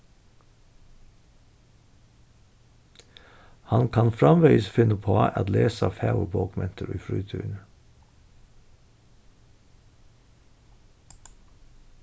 hann kann framvegis finna upp á at lesa fagurbókmentir í frítíðini